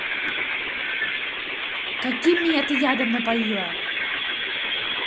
каким меня ты ядом напоила